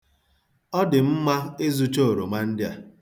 Ọ dị mma ịzụcha oroma ndị a.